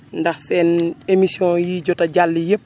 ndax seen émission yi jot a jàll yëpp